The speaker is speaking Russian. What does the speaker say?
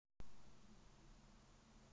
а я знаю лимонница павлиний глаз и капустницу